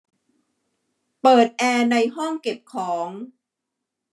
เปิดแอร์ในห้องเก็บของ